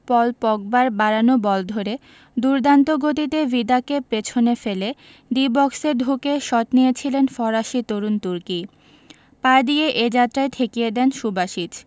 পল পগবার বাড়ানো বল ধরে দুর্দান্ত গতিতে ভিদাকে পেছনে ফেলে ডি বক্সে ঢুকে শট নিয়েছিলেন ফরাসি তরুণ তুর্কি পা দিয়ে এ যাত্রায় ঠেকিয়ে দেন সুবাসিচ